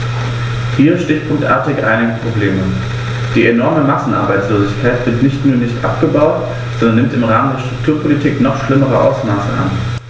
Hier stichpunktartig einige Probleme: Die enorme Massenarbeitslosigkeit wird nicht nur nicht abgebaut, sondern nimmt im Rahmen der Strukturpolitik noch schlimmere Ausmaße an.